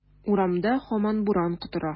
Урамда һаман буран котыра.